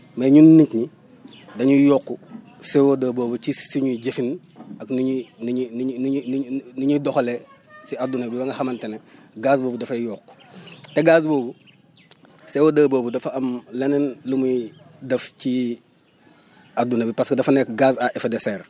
mais ñun nit ñi dañuy yokk CO2 boobu ci suñuy jëfin ak ni ñuy ni ñuy ni ñuy ni ñuy doxalee si adduna ba nga xamante ne gaz boobu dafay yokk te gaz boobu CO2 boobu dafa am leneen lu muy def ci adduna bi parce que dafa nekk gaz à effet de serre